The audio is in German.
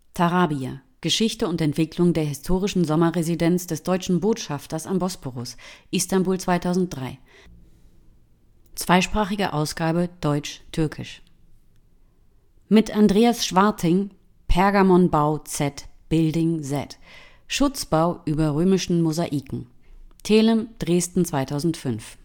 Tarabya. Geschichte und Entwicklung der historischen Sommerresidenz des deutschen Botschafters am Bosporus. Istanbul 2003 (zweisprachige Ausgabe deutsch/türkisch) mit Andreas Schwarting: Pergamon Bau Z, building Z. Schutzbau über römischen Mosaiken. Thelem, Dresden 2005